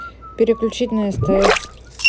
переключить на стс